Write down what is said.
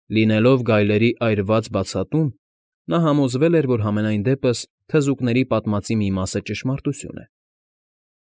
Լինելով գայելրի այրված բացատում՝ նա համոզվել էր, որ համենայն դեպս թզուկների պատմածի մի մասը ճշմարտություն է։